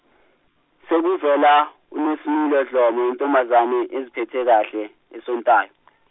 sekuvela uNosimilo Dhlomo, intombazane eziphethe kahle, esontayo .